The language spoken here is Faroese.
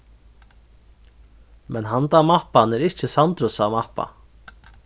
men handan mappan er ikki sandrusa mappa